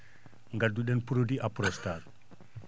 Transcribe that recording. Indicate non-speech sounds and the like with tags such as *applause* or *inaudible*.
nganndu?en produit *coughs* prono (apronstar )